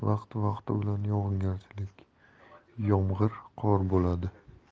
vaqti vaqti bilan yog'ingarchilik yomg'ir qor bo'ladi